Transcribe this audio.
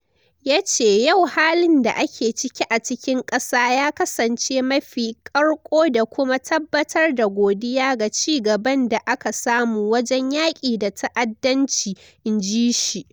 Ya ce, "Yau halin da ake ciki a cikin ƙasa ya kasance mafi karko da kuma tabbatar da godiya ga cigaban da aka samu wajen yaki da ta'addanci," inji shi.